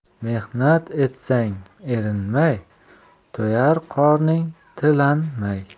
mehnat etsang erinmay to'yar qorning tilanmay